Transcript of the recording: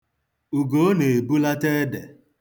Ugoo na-ebulata ede.